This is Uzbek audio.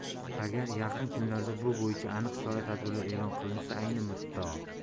agar yaqin kunlarda bu bo'yicha aniq chora tadbirlar e'lon qilinsa ayni muddao